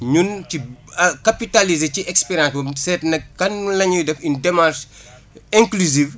ñun ci capitaliser ci expérience boobu seet nag kañ lañuy def une démarche inclusive